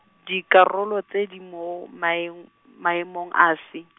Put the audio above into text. dikarolo tse di mo maeng-, maemong afe?